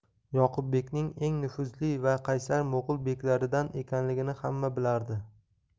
yoqubbekning eng nufuzli va qaysar mo'g'ul beklaridan ekanligini hamma bilardi